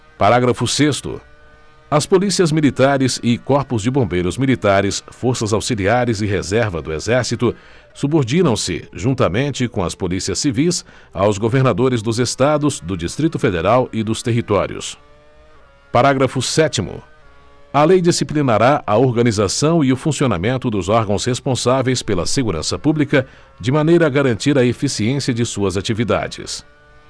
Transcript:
parágrafo sexto as polícias militares e corpos de bombeiros militares forças auxiliares e reserva do exército subordinam se juntamente com as polícias civis aos governadores dos estados do distrito federal e dos territórios parágrafo sétimo a lei disciplinará a organização e o funcionamento dos órgãos responsáveis pela segurança pública de maneira a garantir a eficiência de suas atividades